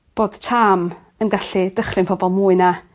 bod charm yn gallu dychryn pobol mwy na